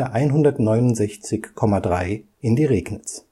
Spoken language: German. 169,3 in die Regnitz